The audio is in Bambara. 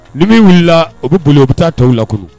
Ni min wulila o bɛ boli o bɛ taa tɔw lakunu